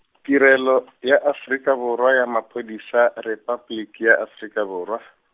tirelo ya Afrika Borwa ya Maphodisa Repabliki ya Afrika Borwa.